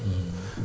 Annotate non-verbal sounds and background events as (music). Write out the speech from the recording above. (hesitation) (hesitation)